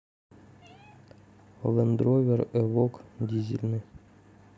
лэндровер эвок дизельный